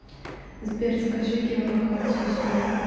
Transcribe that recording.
сбер скажи геолокацию свою